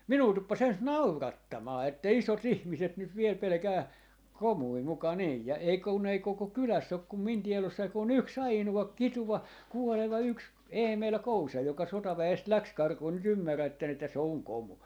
minua tuppasi ensin naurattamaan että isot ihmiset nyt vielä pelkää komuja muka niin ja ei kun ei koko kylässä ole kuin minun tiedossani kuin yksi ainoa kituva kuoleva yksi Eemeli Kousa joka sotaväestä lähti karkuun nyt ymmärrätte että se on komu